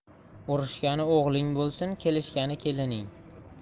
urishgani o'g'ling bo'lsin kelishgani kelining